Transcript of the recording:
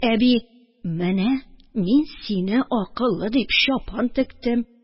Әби: – Менә мин сине акыллы дип чапан тектем